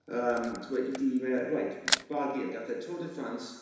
yym t'bo' 'i dîm e reit m- Barguil gath e Tour de France